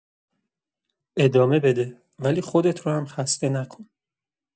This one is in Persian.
ادامه بده، ولی خودت رو هم خسته نکن.